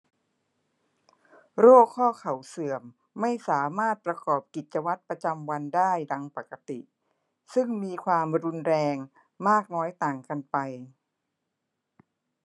โรคข้อเข่าเสื่อมไม่สามารถประกอบกิจวัตรประจำวันได้ดังปกติซึ่งมีความรุนแรงมากน้อยต่างกันไป